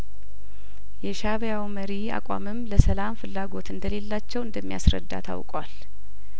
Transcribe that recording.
የሻእቢያው መሪ አቋምም ለሰላም ፍላጐት እንደሌላቸው እንደሚያስረዳ ታውቋል